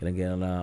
Kɛlɛyara